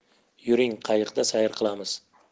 yuring qayiqda sayr qilamiz